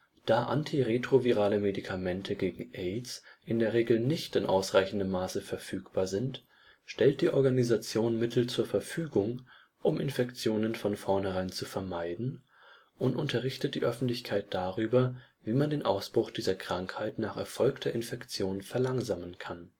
Da antiretrovirale Medikamente gegen Aids in der Regel nicht in ausreichendem Maße verfügbar sind, stellt die Organisation Mittel zur Verfügung, um Infektionen von vornherein zu vermeiden, und unterrichtet die Öffentlichkeit darüber, wie man den Ausbruch dieser Krankheit nach erfolgter Infektion verlangsamen kann